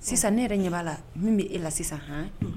Sisan ne yɛrɛ ɲɛ b'a la min bɛ e la sisan hɔn